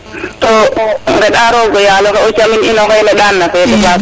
to ngenda roga yaloxe o camin ino xene ndaan na fede faak